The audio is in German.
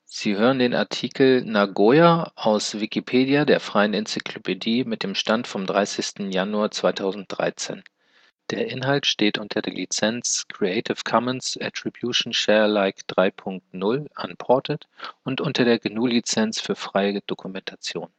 Sie hören den Artikel Nagoya, aus Wikipedia, der freien Enzyklopädie. Mit dem Stand vom Der Inhalt steht unter der Lizenz Creative Commons Attribution Share Alike 3 Punkt 0 Unported und unter der GNU Lizenz für freie Dokumentation